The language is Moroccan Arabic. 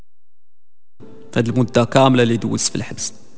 المتكامله لدروس في الحجز